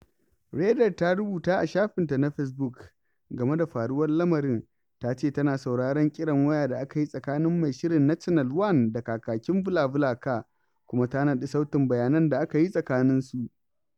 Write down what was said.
Reyder ta rubuta a shafinta na Fesbuk game da faruwar lamarin. Ta ce tana sauraron kiran waya da aka yi tsakanin mai shirin na Channel One da kakakin BlaBlaCar kuma ta naɗi sautin bayanan da aka yi tsakaninsu: